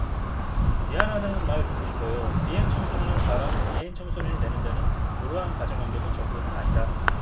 미안하다는 말 듣고 싶어요 비행청소년의 바람 비행청소년이 되는 데는 불우한 가정환경이 전부는 아니다